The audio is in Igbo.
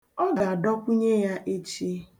Ọ ga-adọkwunye ya echi.